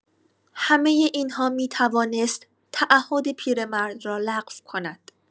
همه این‌ها می‌توانست تعهد پیرمرد را لغو کند.